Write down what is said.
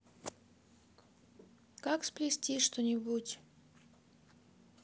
как сплести что нибудь